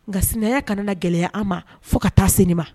Nka sɛnɛya kana gɛlɛya an ma fo ka taa sen ma